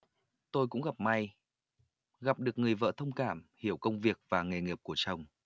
tôi cũng gặp may gặp được người vợ thông cảm hiểu công việc và nghề nghiệp của chồng